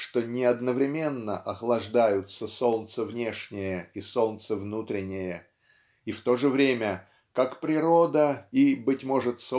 что не одновременно охлаждаются солнце внешнее и солнце внутреннее и в то время как природа и быть может